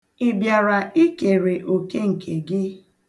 Ị bịara ikere oke nke gị?